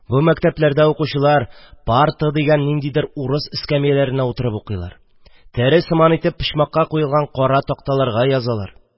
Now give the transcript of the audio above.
Бу мәктәпләрдә укучылар парты дигән ниндидер урыс эскәмияләренә утырып укыйлар, тәре сыман итеп почмакка куелган кара такталарга язалар.